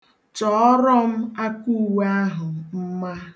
Chọọrọ m akauwe ahụ mma